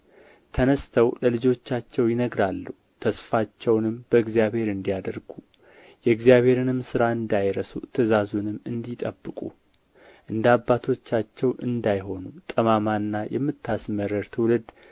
ተነሥተው ለልጆቻቸው ይነግራሉ ተስፋቸውን በእግዚአብሔር እንዲያደርጉ የእግዚአብሔርንም ሥራ እንዳይረሱ ትእዛዙንም እንዲጠብቁ እንደ አባቶቻቸው እንዳይሆኑ ጠማማና የምታስመርር ትውልድ